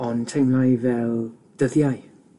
ond teimlai fel dyddiau.